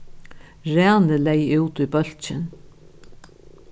rani legði út í bólkin